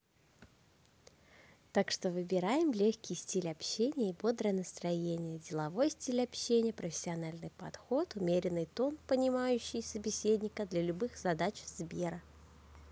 так что выбираем легкий стиль общения и бодрое настроение деловой стиль общения профессиональный подход умеренный тон понимающий собеседника для любых задач сбера